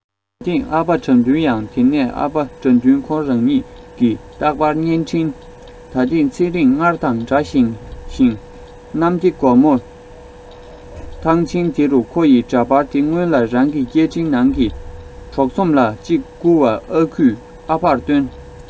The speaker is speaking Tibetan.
ད ཐེངས ཨ ཕ དགྲ འདུལ ཡང དེ ན ཨ ཕ དགྲ འདུལ ཁོ རང ཉིད ཀྱི རྟག པར བརྙན འཕྲིན ད ཐེངས ཚེ རིང སྔར དང འདྲ ཞིང ཞིང གནམ བདེ སྒོ མོའི ཐང ཆེན དེ རུ ཁོ ཡི འདྲ པར དེ སྔོན ལ རང གི སྐད འཕྲིན ནང གི གྲོགས ཚོམ ལ གཅིག བསྐུར བ ཨ ཁུས ཨ ཕར སྟོན